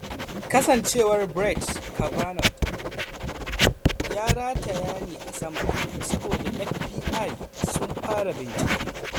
Kasancewar Brett Kavanaugh ya rataya ne a sama, saboda FBI sun fara bincike